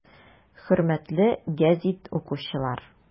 Хөрмәтле гәзит укучылар!